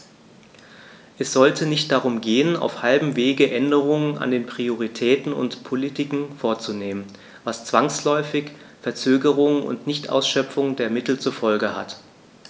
Es sollte nicht darum gehen, auf halbem Wege Änderungen an den Prioritäten und Politiken vorzunehmen, was zwangsläufig Verzögerungen und Nichtausschöpfung der Mittel zur Folge hat.